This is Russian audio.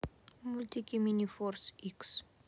мультики минифорс икс